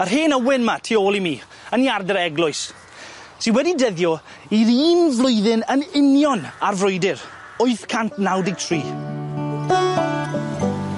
Yr hen ywen 'ma tu ôl i mi, yn iard yr eglwys sy wedi dyddio i'r un flwyddyn yn union â'r frwydr, wyth cant naw deg tri.